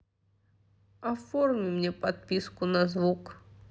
оформи мне подписку на звук